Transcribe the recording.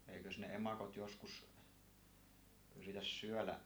eikös ne emakot joskus yritä syödä